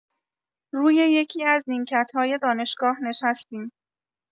روی یکی‌از نیمکت‌های دانشگاه نشستیم.